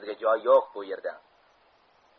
bizga joy yo'q bu yerda